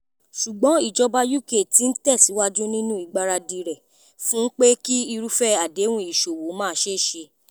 Ṣùgbọ́n Ìjọba UK tí ń tẹ̀síwájú nínú ìgbaradì rẹ̀ fún pé kí irúfẹ́ àdéhùn ìṣòwò má ṣeéṣe.